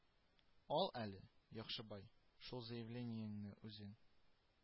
Ал әле, Яхшыбай, шул заявлениене үзең